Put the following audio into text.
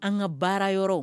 An ka baara yɔrɔ